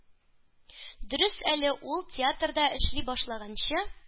Дөрес, әле ул театрда эшли башлаганчы